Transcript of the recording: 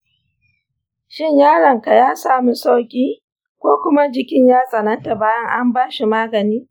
shin yaronka ya sami sauƙi ko kuma jikin ya tsananta bayan an bashi magani?